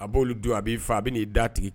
A b'olu dun a b'i fa a bɛ n'i da ten